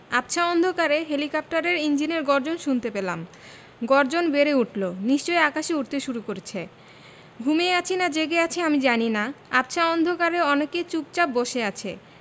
আবছা অন্ধকারে হেলিকপ্টারের ইঞ্জিনের গর্জন শুনতে পেলাম গর্জন বেড়ে উঠলো নিশ্চয়ই আকাশে উড়তে শুরু করছে ঘুমিয়ে আছি না জেগে আছি আমি জানি না আবছা অন্ধকারে অনেকে চুপচাপ বসে আছে